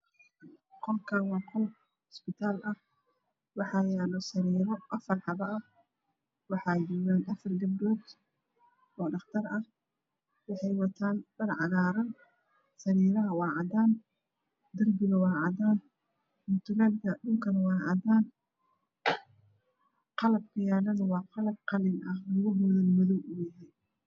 Qolkan waaqolisbital ah waxa yaalo Afarsariir waxa jogan Afar gabdhod odhaqtar ah waxaywatan dharcagara sariiraha wacadan derbigawacadan mutulelkan wacadan qalabkayalanawaa qalab qalin ah Lugohodana madow uyahay